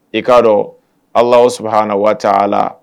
I k'a dɔn ala awaw saba h na waati a la